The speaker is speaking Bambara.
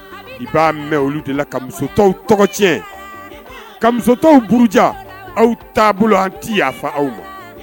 N b'a mɛn olu de la, ka musotɔw tɔgɔ tiɲɛn ,ka musotɔw kuruja, aw taabolo an tɛ yaafa u ma!